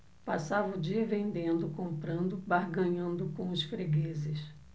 passava o dia vendendo comprando barganhando com os fregueses